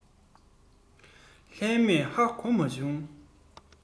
ལྷག མེད ཧ གོ མ བྱུང